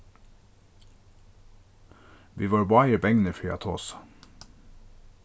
vit vóru báðir bangnir fyri at tosa